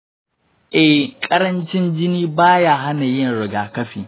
eh, ƙarancin jini ba ya hana yin rigakafi.